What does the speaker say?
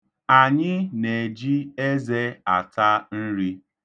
Anyị na-eji eze ata nri.